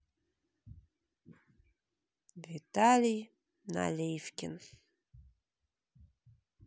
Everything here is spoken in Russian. виталий наливкин